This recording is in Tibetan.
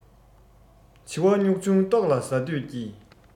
བྱི བ སྨྱུག ཆུང ལྟོགས ལ ཟ འདོད ཀྱིས